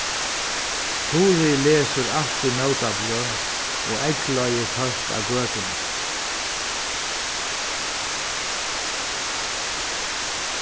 turið lesur altíð mótabløð og eygleiðir fólk á gøtuni